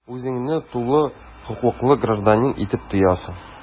Үзеңне тулы хокуклы гражданин итеп тоясың.